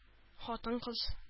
Хатын-кыз